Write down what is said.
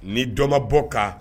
Ni dɔ ma bɔ ka